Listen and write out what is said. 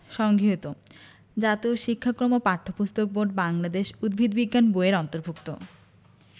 সংগিহীত জাতীয় শিক্ষাক্রম ও পাঠ্যপুস্তক বোর্ড বাংলাদেশ উদ্ভিদ বিজ্ঞান বই এর অন্তর্ভুক্ত